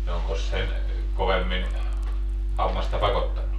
no onkos sen kovemmin hammasta pakottanut